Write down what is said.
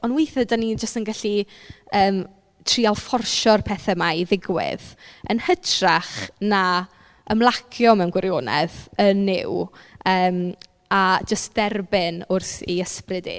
Ond weithiau dan ni jysd yn gallu yym treial fforsio'r pethau yma i ddigwydd yn hytrach na ymlacio mewn gwirionedd yn Nuw yym a jyst derbyn wrth ei ysbryd e.